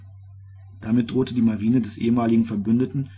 Marine des ehemaligen Verbündeten